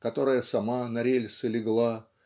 которая сама на рельсы легла